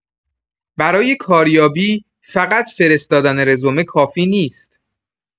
برای کاریابی، فقط فرستادن رزومه کافی نیست.